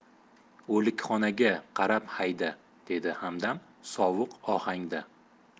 o'likxonaga qarab hayda dedi hamdam sovuq ohangda